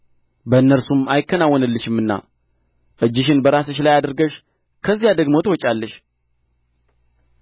በእነርሱም አይከናወንልሽምና እጅሽን በራስሽ ላይ አድርገሽ ከዚያ ደግሞ ትወጫለሽ